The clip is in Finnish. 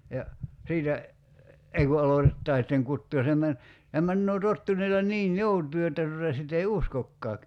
ja siitä ei kun aloitetaan sitten kutoa ja se - se menee tottuneella niin joutuin jotta tuota sitten ei uskokaan